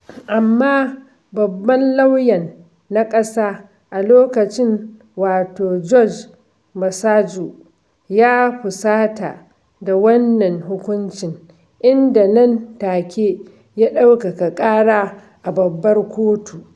Amma babban lauyan na ƙasa a lokacin wato George Masaju ya fusata da wannan hukuncin inda nan take ya ɗaukaka ƙara a Babbar Kotu.